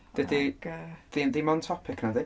Dydi... Ag yy... hyn ddim on topic na 'di?